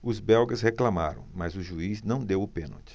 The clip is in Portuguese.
os belgas reclamaram mas o juiz não deu o pênalti